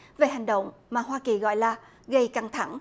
về hành động mà hoa kỳ gọi là gây căng thẳng